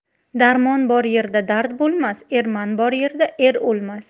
darmon bor yerda dard bo'lmas erman bor yerda er o'lmas